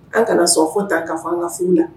An kana sɔn fɔ ta ka fɔ an ka furu la